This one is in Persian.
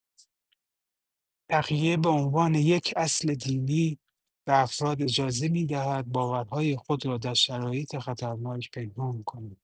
تقیه به عنوان یک اصل دینی به افراد اجازه می‌دهد باورهای خود را در شرایط خطرناک پنهان کنند.